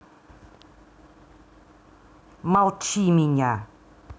молчи меня